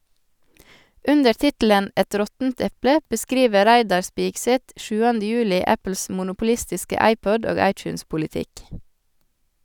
Under tittelen «Et råttent eple» beskriver Reidar Spigseth 7. juli Apples monopolistiske iPod- og iTunes-politikk.